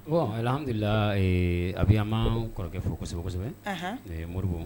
Du abiyama kɔrɔkɛf kosɛbɛ kosɛbɛ moriɔribo